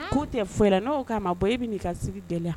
Ko tɛ fɔ la n'o k'a ma bɔ e bɛ' ka sigi gɛlɛya